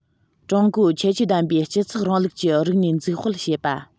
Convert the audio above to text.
ཀྲུང གོའི ཁྱད ཆོས ལྡན པའི སྤྱི ཚོགས རིང ལུགས ཀྱི རིག གནས འཛུགས སྤེལ བྱེད པ